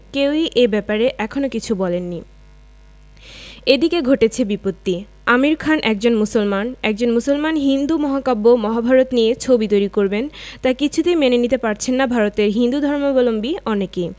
কেউই এ ব্যাপারে এখনো কিছু বলেননি এদিকে ঘটেছে বিপত্তি আমির খান একজন মুসলমান একজন মুসলমান হিন্দু মহাকাব্য মহাভারত নিয়ে ছবি তৈরি করবেন তা কিছুতেই মেনে নিতে পারছেন না ভারতের হিন্দুধর্মাবলম্বী অনেকে